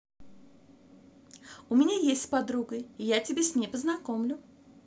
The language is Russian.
у меня есть с подругой я тебя с ней познакомлю